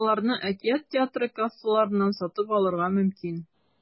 Аларны “Әкият” театры кассаларыннан сатып алырга мөмкин.